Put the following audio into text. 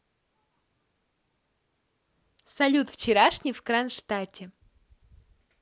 салют вчерашний в кронштадте